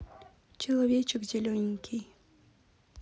человечек зелененький